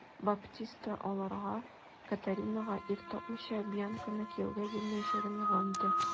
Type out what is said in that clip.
Баптиста аларга, Катаринага ир тапмыйча, Бьянканы кияүгә бирмәячәген игълан итә.